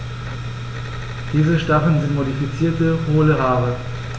Diese Stacheln sind modifizierte, hohle Haare.